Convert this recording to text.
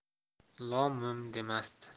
lom mim demasdi